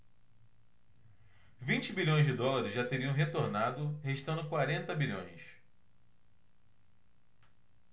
vinte bilhões de dólares já teriam retornado restando quarenta bilhões